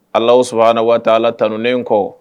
Ala sɔnna waati ala tanunnen kɔ